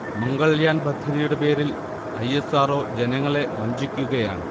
മംഗൾയാൻ പദ്ധതിയുടെ പേരിൽ I. S. R. O. ജനങ്ങളെ വഞ്ചിക്കുകയാണ്